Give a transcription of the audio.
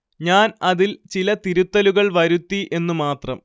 ഞാന്‍ അതില്‍ ചില തിരുത്തലുകള്‍ വരുത്തി എന്നു മാത്രം